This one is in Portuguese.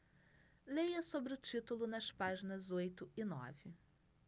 leia sobre o título nas páginas oito e nove